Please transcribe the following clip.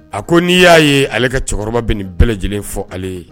A ko n'i y'a ye ale ka cɛkɔrɔba bɛ nin bɛɛ lajɛlen fɔ ale ye